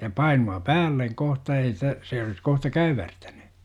ja painua päälle kohta ei sitä se olisi kohta käyvärtänyt